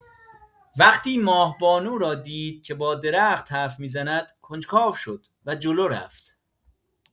وقتی ماه‌بانو را دید که با درخت حرف می‌زند، کنجکاو شد و جلو رفت.